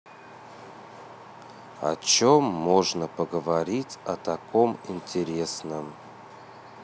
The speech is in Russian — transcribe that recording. о чем можно поговорить о таком интересным